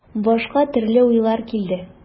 Башка төрле уйлар килде.